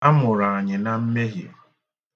A mụrụ anyị na mmehie.